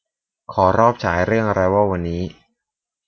ขอรอบฉายเรื่องอะไรวอลวันนี้